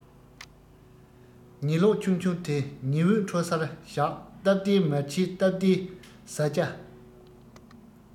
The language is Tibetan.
ཉི གློག ཆུང ཆུང དེ ཉི འོད འཕྲོ སར བཞག སྟབས བདེའི མལ ཆས སྟབས བདེའི བཟའ བཅའ